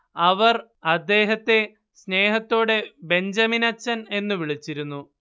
അവർ അദ്ദേഹത്തെ സ്നേഹത്തോടെ ബെഞ്ചമിനച്ചൻ എന്ന് വിളിച്ചിരുന്നു